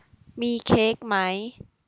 มีเค้กไหม